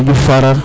o Farare